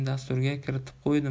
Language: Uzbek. dasturga kiritib qo'ydim